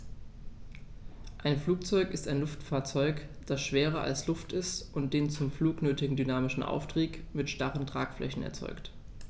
Ein Flugzeug ist ein Luftfahrzeug, das schwerer als Luft ist und den zum Flug nötigen dynamischen Auftrieb mit starren Tragflächen erzeugt.